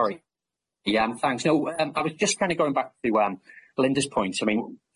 Sori. Ie yym thanks no yym I was just kinda going back to yw yym Belinda's point I mean,